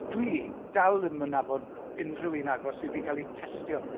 Dwi dal ddim yn nabod unrhyw un agos sydd wedi cael ei testio.